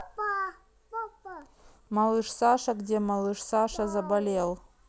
малыш саша где малыш саша заболел